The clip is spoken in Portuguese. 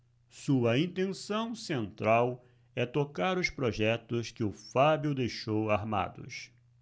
sua intenção central é tocar os projetos que o fábio deixou armados